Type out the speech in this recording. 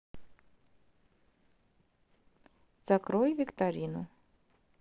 закрой викторину